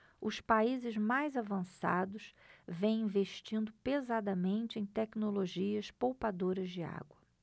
os países mais avançados vêm investindo pesadamente em tecnologias poupadoras de água